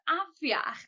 afiach